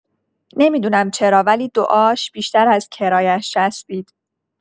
نمی‌دونم چرا، ولی دعاش بیشتر از کرایه‌ش چسبید.